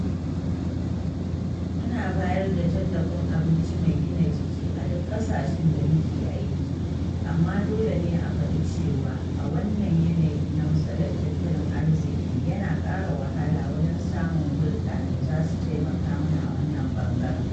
Muna bayar da tallafin abinci mai gina jiki a duk ƙasashen da muke aiki, amma dole ne a faɗi cewa a wannan yanayi na matsalar tattalin arziƙi yana ƙara wahala wajen samun hulɗa da za su taimaka mana a wannan ɓangaren.